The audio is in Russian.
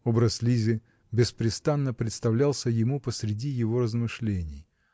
" Образ Лизы беспрестанно представлялся ему посреди его размышлений